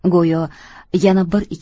go'yo yana bir